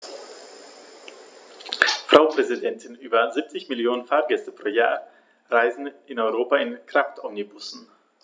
Frau Präsidentin, über 70 Millionen Fahrgäste pro Jahr reisen in Europa mit Kraftomnibussen.